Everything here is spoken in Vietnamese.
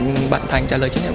bạn thành trả lời chướng